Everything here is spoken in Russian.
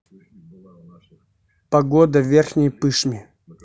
погода в верхней пышме